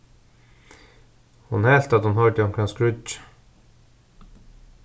hon helt at hon hoyrdi onkran skríggja